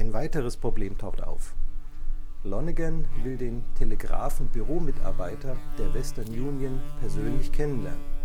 weiteres Problem taucht auf: Lonnegan will den Telegrafenbüromitarbeiter der Western Union persönlich kennenlernen